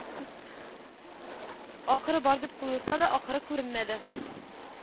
Ахыры бар дип куелса да, ахыры күренмәде